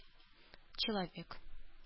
Человек